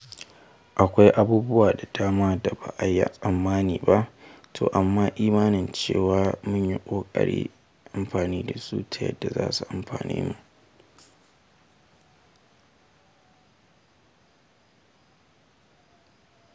Akwai abubuwa da dama da ba a yi tsammani ba, to amma na yi imanin cewa mun yi ƙoƙarin amfani da su ta yadda za su amfane mu.